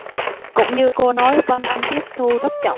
cũng như cô nói vân anh tiếp thu rất chậm